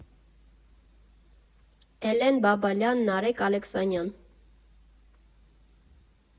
Էլեն Բաբալյան Նարեկ Ալեքսանյան։